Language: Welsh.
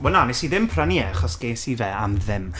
Wel na, wnes i ddim prynu e, achos ges i fe am ddim.